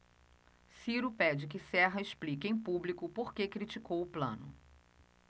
ciro pede que serra explique em público por que criticou plano